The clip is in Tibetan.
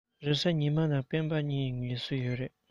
རེས གཟའ ཉི མ དང སྤེན པ གཉིས ཀར ངལ གསོ ཡོད རེད